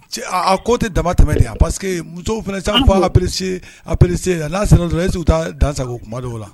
Aaa k'o tɛ daba tɛmɛ de a parce que musow fana caman f'a ka pse a pse a' sera dɔrɔn esiw taa dansago o kuma don la